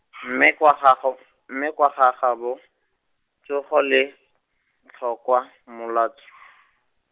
mme kwa ga go-, mme kwa ga gabo, tsogo le, tlhokwa, molats- .